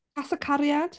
Casa Cariad?